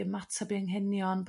'di ymatab i anghenion